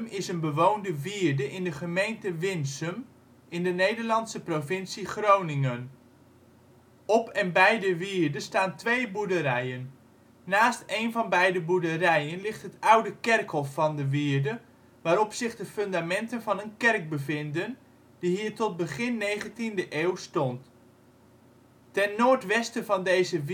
is een bewoonde wierde in de gemeente Winsum in de Nederlandse provincie Groningen. Op en bij de wierde staan twee boerderijen. Naast een van beide boerderijen ligt het oude kerkhof van de wierde, waarop zich de fundamenten van een kerk bevinden, die hier tot begin 19e eeuw stond. Ten noordwesten van deze